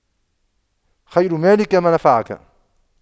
خير مالك ما نفعك